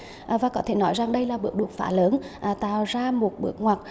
à và có thể nói rằng đây là bước đột phá lớn và tạo ra một bước ngoặt